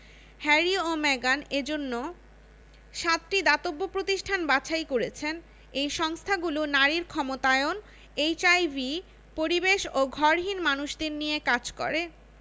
Harry ও মেগান এ জন্য সাতটি দাতব্য প্রতিষ্ঠান বাছাই করেছেন এই সংস্থাগুলো নারীর ক্ষমতায়ন এইচআইভি পরিবেশ ও ঘরহীন মানুষদের নিয়ে কাজ করে